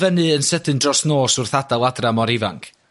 fyny yn sydyn dros nos wrth adael adra mor ifanc?